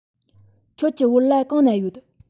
ཁྱོད ཀྱི བོད ལྭ གང ན ཡོད